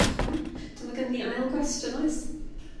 Dio'ch yn fawr. Dwi m'l bo' gynnon ni ail gwestiyn oes?